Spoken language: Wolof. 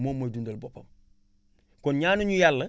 moom mooy dundal boppam kon ñaanuñu yàlla